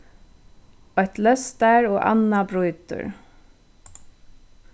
eitt løstar og annað brýtur